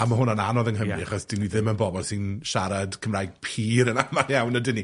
A ma' hwnna'n anodd yng Nghymru, achos 'dan ni ddim yn bobol sy'n siarad Cymraeg pur yn amal iawn, ydyn ni?